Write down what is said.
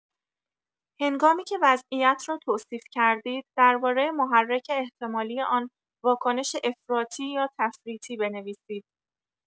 هنگامی‌که وضعیت را توصیف کردید، درباره محرک احتمالی آن واکنش افراطی یا تفریطی بنویسید.